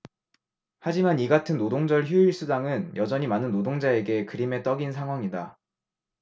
하지만 이같은 노동절 휴일수당은 여전히 많은 노동자에게 그림의 떡인 상황이다